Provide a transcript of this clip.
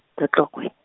ko Tlokwe.